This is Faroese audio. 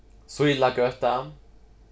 sílagøta